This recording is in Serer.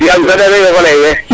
yaam saɗero faley fe